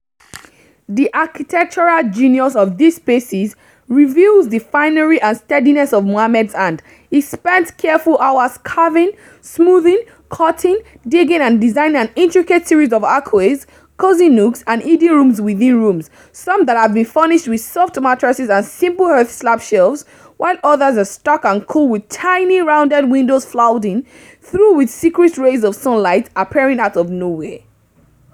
The architectural genius of these spaces reveals the finery and steadiness of Mohammed’s hand – he’s spent careful hours carving, smoothing, cutting, digging, and designing an intricate series of archways, cosy nooks and hidden rooms within rooms, some that have been furnished with soft mattresses and simple earth-slab shelves, while others are stark and cool with tiny, rounded windows flooding through with secret rays of sunlight appearing out of nowhere.